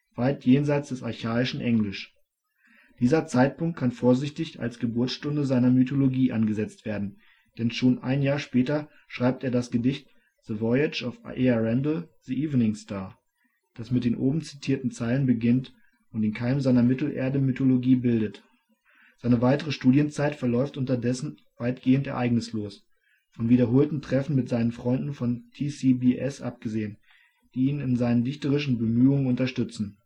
weit jenseits des archaischen Englisch. Dieser Zeitpunkt kann vorsichtig als Geburtsstunde seiner Mythologie angesetzt werden, denn schon ein Jahr später schreibt er das Gedicht The Voyage of Earendel the Evening Star, das mit den oben zitierten Zeilen beginnt und den Keim seiner Mittelerde-Mythologie bildet. Seine weitere Studienzeit verläuft unterdessen weitgehend ereignislos – von wiederholten Treffen mit seinen Freunden vom T. C. B. S. abgesehen, die ihn in seinen dichterischen Bemühungen unterstützen